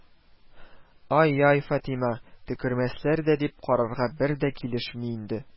Ай-яй, Фатыйма, «төкермәсләр дә» дип карарга бер дә килешми инде